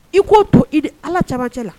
I k'o to i di ala camancɛ la